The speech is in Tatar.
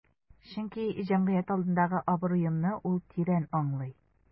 Чөнки җәмгыять алдындагы абруемны ул тирән аңлый.